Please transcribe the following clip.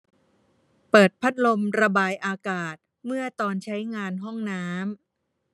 เปิดพัดลมระบายอากาศเมื่อตอนใช้งานห้องน้ำ